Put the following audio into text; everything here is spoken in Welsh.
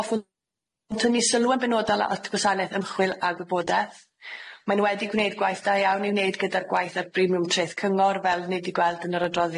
Hoffwn tynnu sylw yn benodol at gwasaneth ymchwil a gwybodaeth mae'n wedi gneud gwaith da iawn i'w wneud gyda'r gwaith ar brimiwm traeth cyngor fel 'ni 'di gweld yn yr adroddiad